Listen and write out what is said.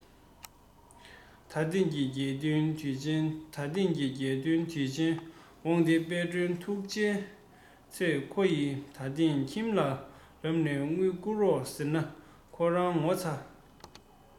ད ཐེངས ཀྱི རྒྱལ སྟོན དུས ཆེན ད ཐེངས ཀྱི རྒྱལ སྟོན དུས ཆེན འོན ཏེ དཔལ སྒྲོན ཐུགས དེའི ཚེ ཁོ ཡི ད ཐེངས ཁྱིམ ལ ལབ ནས དངུལ བསྐུར རོགས ཟེར ན ཁོ རང ངོ ཚ